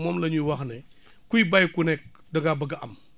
moom la ñuy wax ne kuy bay ku nekk da ngaa bëgg a am